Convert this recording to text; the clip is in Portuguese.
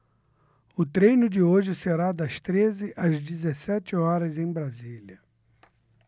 o treino de hoje será das treze às dezessete horas em brasília